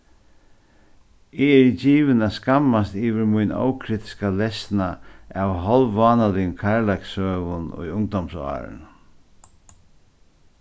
eg eri givin at skammast yvir mín ókritiska lesnað av hálvvánaligum kærleikssøgum í ungdómsárunum